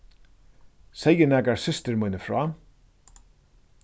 segði nakar systur míni frá